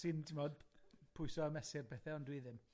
Sy'n ti'mod pwyso a mesur pethe ond dwi ddim.